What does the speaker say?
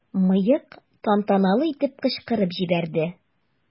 "мыек" тантаналы итеп кычкырып җибәрде.